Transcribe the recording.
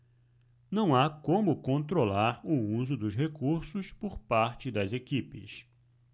não há como controlar o uso dos recursos por parte das equipes